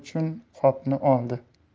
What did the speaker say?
uchun qopni oldi